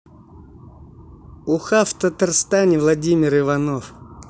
уха в татарстане владимир иванов